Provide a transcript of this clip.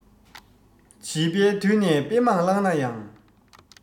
བྱིས པའི དུས ནས དཔེ མང བཀླགས ན ཡང